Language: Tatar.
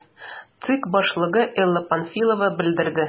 ЦИК башлыгы Элла Памфилова белдерде: